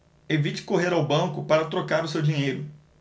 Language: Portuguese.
evite correr ao banco para trocar o seu dinheiro